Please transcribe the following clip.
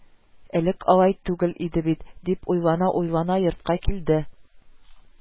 Элек алай түгел иде бит, – дип уйлана-уйлана йортка килде